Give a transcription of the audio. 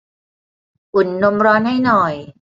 อุ่นนมร้อนให้หน่อย